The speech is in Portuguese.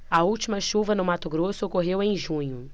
a última chuva no mato grosso ocorreu em junho